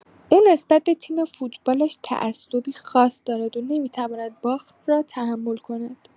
او نسبت به تیم فوتبالش تعصبی خاص دارد و نمی‌تواند باخت را تحمل کند.